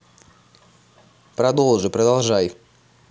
продолжи продолжай